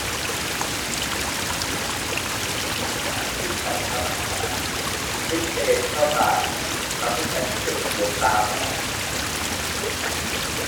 ขณะที่ฉันทำอาหารพริกกระเด็นเข้าตาทำให้ฉันเจ็บปวดตามาก